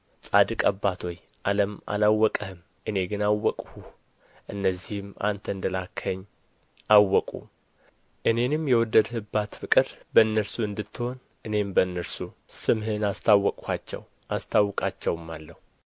ጻድቅ አባት ሆይ ዓለም አላወቀህም እኔ ግን አወቅሁህ እነዚህም አንተ እንደ ላክኸኝ አወቁ እኔንም የወደድህባት ፍቅር በእነርሱ እንድትሆን እኔም በእነርሱ ስምህን አስታወቅኋቸው አስታውቃቸውማለሁ